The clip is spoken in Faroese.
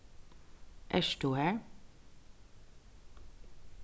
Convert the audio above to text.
ert tú har